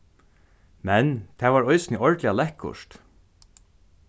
men tað var eisini ordiliga lekkurt